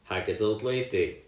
haggard old lady